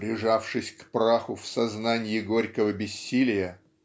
"прижавшись к праху в сознаньи горького бессилия"